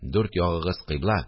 Дүрт ягыгыз кыйбла